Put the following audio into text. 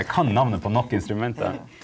eg kan namnet på nok instrument.